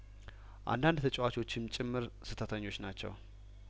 አንዳንድ ተጫዋቾችም ጭምር ስህተተኞች ናቸው